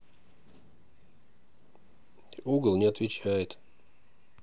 угол не отвечает